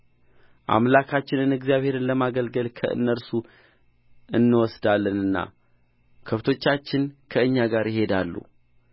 አምላካችንን እግዚአብሔርን ለማገልገል ከእነርሱ እንወስዳለንና ከብቶቻችን ከእኛ ጋር ይሄዳሉ